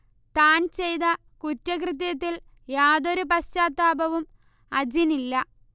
താൻ ചെയ്ത കുറ്റകൃത്യത്തിൽ യാതൊരു പശ്ചാത്താപവും അജിനില്ല